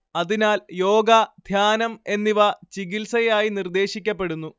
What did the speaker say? അതിനാൽ യോഗ ധ്യാനം എന്നിവ ചികിത്സയായി നിർദ്ദേശിക്കപ്പെടുന്നു